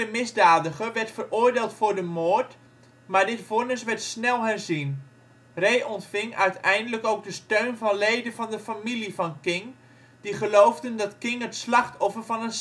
misdadiger, werd veroordeeld voor de moord, maar dit vonnis werd snel herzien. Ray ontving uiteindelijk ook de steun van leden van de familie van King, die geloofden dat King het slachtoffer van